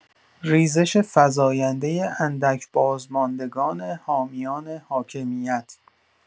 ریزش فزاینده اندک بازماندگان حامیان حاکمیت